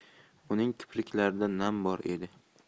uning kipriklarida nam bor edi